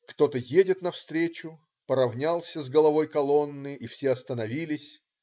" Кто-то едет навстречу, поравнялся с головой колонны, и все остановились.